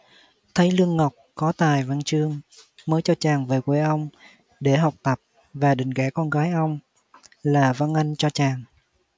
thấy lương ngọc có tài văn chương mới cho chàng về quê ông để học tập và định gả con gái ông là vân anh cho chàng